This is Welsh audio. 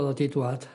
...o'dd o 'di dŵad.